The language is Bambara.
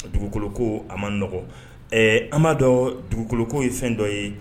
Dugukolo a ma n dɔgɔ an b'a dɔn dugukoloko ye fɛn dɔ ye